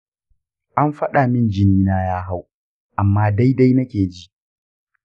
an faɗa min jini na ya hau amma daidai nake ji.